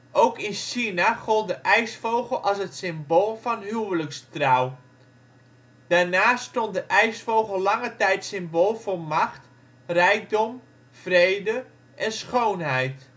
Ook in China gold de ijsvogel als het symbool van huwelijkstrouw. Daarnaast stond de ijsvogel lange tijd symbool voor macht, rijkdom, vrede en schoonheid